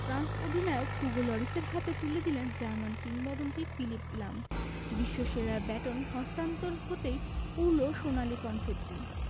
France অধিনায়ক Hugo লরিসের হাতে তুলে দিলেন জার্মান কিংবদন্তি ফিলিপ লাম বিশ্বসেরার ব্যাটন হস্তান্তর হতেই উড়ল সোনালি কনফেত্তি